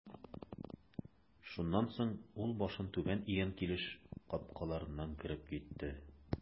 Шуннан соң ул башын түбән игән килеш капкаларыннан кереп китте.